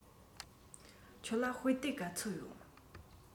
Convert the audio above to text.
ཁྱོད ལ དཔེ དེབ ག ཚོད ཡོད